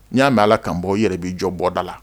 N y'a mɛn ala la ka n bɔ i yɛrɛ i bɛ jɔ bɔda la